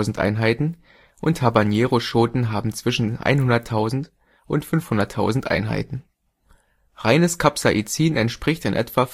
Einheiten und Habaneroschoten haben zwischen 100.000 und 500.000 Einheiten. Reines Capsaicin entspricht in etwa